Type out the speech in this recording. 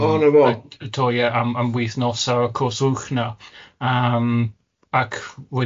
Oh na' fo... Torri am am wythnos ar y cwrs uwch naw', yym ac wedyn